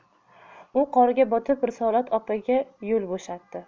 u qorga botib risolat opaga yo'l bo'shatdi